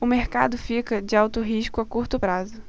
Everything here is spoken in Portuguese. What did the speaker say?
o mercado fica de alto risco a curto prazo